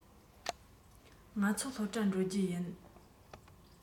ང ཚོ སློབ གྲྭར འགྲོ རྒྱུ ཡིན